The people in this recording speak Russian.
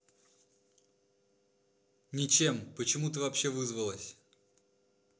ничем почему ты вообще вызвалась